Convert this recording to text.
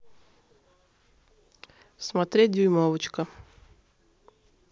смотреть дюймовочка